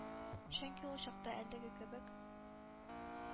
Чөнки ул чакта әлеге кебек